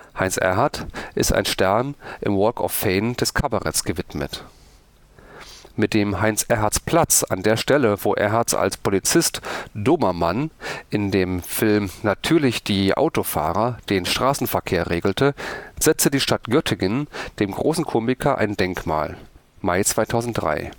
Heinz Erhardt ist ein Stern im Walk of Fame des Kabaretts gewidmet. Mit dem „ Heinz-Erhardt-Platz “an der Stelle, wo Erhardt als Polizist Dobermann in dem Film Natürlich die Autofahrer den Straßenverkehr regelte, setzte die Stadt Göttingen dem großen Komiker ein Denkmal (Mai 2003